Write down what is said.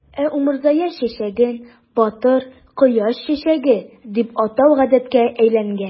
Ә умырзая чәчәген "батыр кояш чәчәге" дип атау гадәткә әйләнгән.